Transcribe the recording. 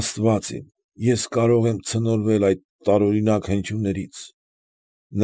Աստված իմ, ես կարող եմ ցնորվել այդ տարօրինակ հնչյուններից։